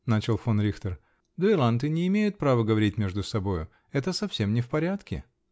-- начал фон Рихтер, -- дуэллянты не имеют права говорить между собою. Это совсем не в порядке.